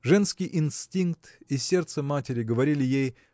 Женский инстинкт и сердце матери говорили ей